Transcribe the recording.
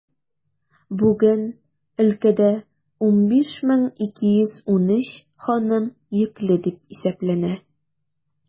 Бүген өлкәдә 15213 ханым йөкле дип исәпләнә.